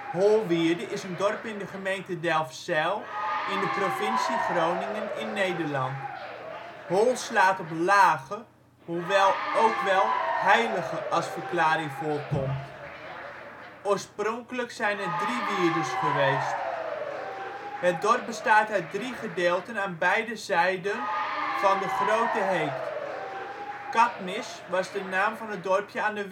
Holwier) is een dorp in de gemeente Delfzijl in de provincie Groningen in Nederland. Hol slaat op ' lage ', hoewel ook wel ' heilige ' als verklaring voorkomt. Oorspronkelijk zijn er drie wierdes geweest. Het dorp bestaat uit drie gedeelten aan beide zijden van de Groote Heekt. Katmis was de naam van het dorpje aan